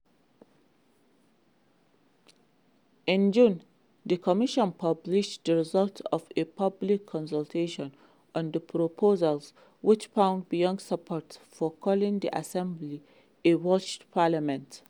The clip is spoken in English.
In June, the Commission published the results of a public consultation on the proposals which found broad support for calling the assembly a Welsh Parliament.